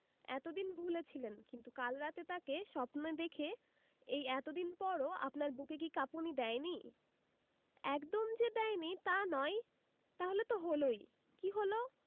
এত দিন ভুলে ছিলেন কিন্তু কাল রাতে তাকে স্বপ্নে দেখে এই এত দিন পরও আপনার বুকে কি কাঁপুনি দেয়নি একদম যে দেয়নি তা নয় তাহলে তো হলোই কী হলো